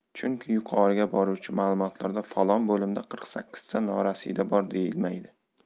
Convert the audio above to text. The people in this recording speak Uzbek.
chunki yuqoriga boruvchi ma'lumotlarda falon bo'limda qirq sakkizta norasida bor deyilmaydi